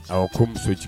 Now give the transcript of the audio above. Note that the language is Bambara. Aw ko n muso jig